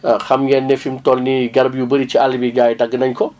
waaw xam ngeen ne fi mu toll nii garab yu bëri ci àll bi gars yi dagg nañ ko